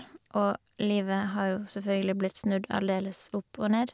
Og livet har jo selvfølgelig blitt snudd aldeles opp og ned.